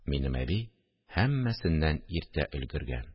Минем әби һәммәсеннән иртә өлгергән